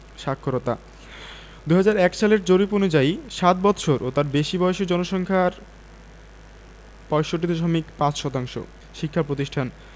সাক্ষরতাঃ ২০০১ সালের জরিপ অনুযায়ী সাত বৎসর ও তার বেশি বয়সের জনসংখ্যার ৬৫.৫ শতাংশ শিক্ষাপ্রতিষ্ঠানঃ